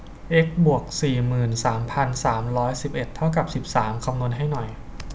เอ็กซ์บวกสี่หมื่นสามพันสามร้อยสิบเอ็ดเท่ากับสิบสามคำนวณให้หน่อย